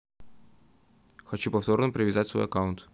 хочу повторно привязать свой аккаунт